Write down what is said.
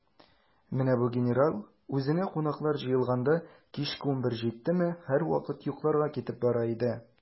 Менә бу генерал, үзенә кунаклар җыелганда, кичке унбер җиттеме, һәрвакыт йокларга китеп бара иде.